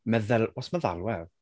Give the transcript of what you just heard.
Meddyl- what's meddalwedd?